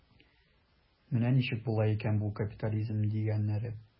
Менә ничек була икән бу капитализм дигәннәре.